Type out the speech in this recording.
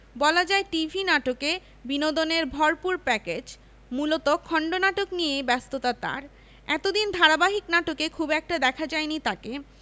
বলা যায় টিভি নাটকে বিনোদনে ভরপুর প্যাকেজ মূলত খণ্ডনাটক নিয়েই ব্যস্ততা তার এতদিন ধারাবাহিক নাটকে খুব একটা দেখা যায়নি তাকে